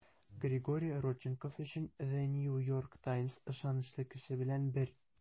Григорий Родченков өчен The New York Times ышанычлы кеше белән бер.